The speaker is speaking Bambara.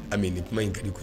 A bɛ nin kuma in kɛ kun